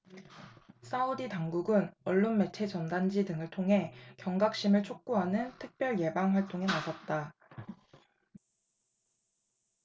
사우디 당국은 언론매체 전단지 등을 통해 경각심을 촉구하는 특별 예방 활동에 나섰다